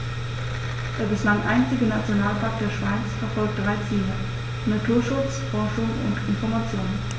Der bislang einzige Nationalpark der Schweiz verfolgt drei Ziele: Naturschutz, Forschung und Information.